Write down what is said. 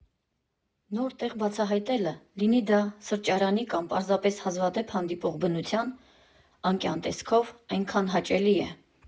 Նոր տեղ բացահայտելը, լինի դա սրճարանի կամ պարզապես հազվադեպ հանդիպող բնության անկյան տեսքով, այնքան հաճելի է։